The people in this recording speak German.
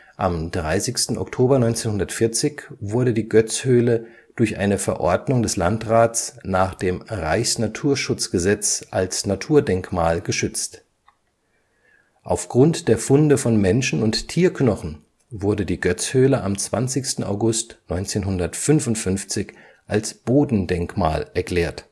Am 30. Oktober 1940 wurde die Goetz-Höhle durch eine Verordnung des Landrats nach dem Reichsnaturschutzgesetz als Naturdenkmal geschützt. Aufgrund der Funde von Menschen - und Tierknochen wurde die Goetz-Höhle am 20. August 1955 als Bodendenkmal erklärt